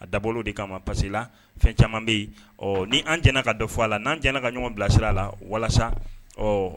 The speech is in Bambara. A dabɔ de kama ma parce la fɛn caman bɛ yen ɔ ni an jɛnɛ ka dɔ fɔ a n'an n ka ɲɔgɔn bilasira a la walasa ɔ